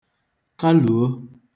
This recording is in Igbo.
kwutọ̀